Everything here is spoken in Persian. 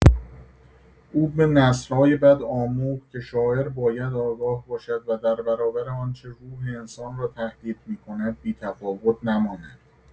او به نسل‌های بعد آموخت که شاعر باید آگاه باشد و در برابر آنچه روح انسان را تهدید می‌کند، بی‌تفاوت نماند.